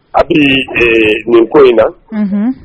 A bɛ ninko in na